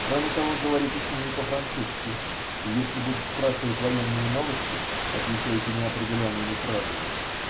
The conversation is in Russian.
Кроме того, говорите с ними по-французски, и если будут спрашивать военные новости, отвечайте неопределенными фразами.